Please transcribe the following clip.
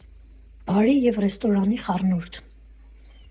Բարի և ռեստորանի խառնուրդ։